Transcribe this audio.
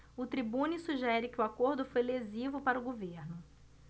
o tribune sugere que o acordo foi lesivo para o governo